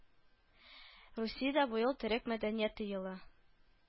Русиядә быел төрек мәдәнияте елы